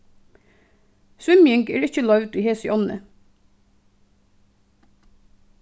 svimjing er ikki loyvd í hesi ánni